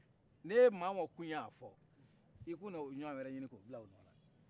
n' e mɔgɔ wo ɔgɔ tun y'o fɔ i tunn'o ɲɔgɔn wɛrɛ ɲini k'o bila a nɔla